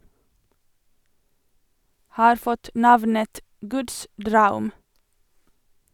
Har fått navnet "Guds draum".